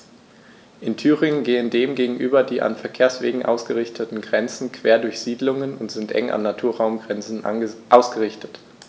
In Thüringen gehen dem gegenüber die an Verkehrswegen ausgerichteten Grenzen quer durch Siedlungen und sind eng an Naturraumgrenzen ausgerichtet.